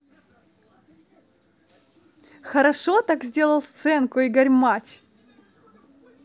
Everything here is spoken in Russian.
хорошо так сделал сценку игорь матч